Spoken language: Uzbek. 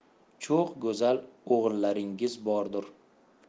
cho'x go'zal o'g'ullaringiz vordur